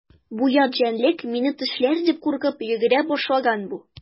Бу ят җәнлек мине тешләр дип куркып йөгерә башлаган бу.